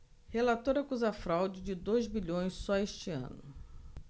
relator acusa fraude de dois bilhões só neste ano